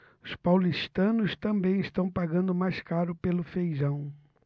os paulistanos também estão pagando mais caro pelo feijão